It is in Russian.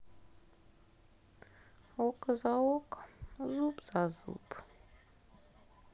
око за око зуб за зуб